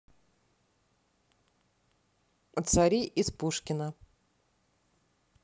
цари из пушкина